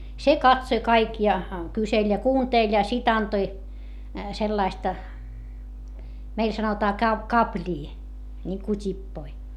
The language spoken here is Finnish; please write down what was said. se katsoi kaikki ja kyseli ja kuunteli ja sitten antoi sellaista meillä sanotaan - kaplia niin kuin tippoja